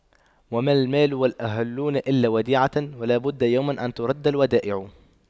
وما المال والأهلون إلا وديعة ولا بد يوما أن تُرَدَّ الودائع